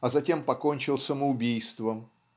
а затем покончил самоубийством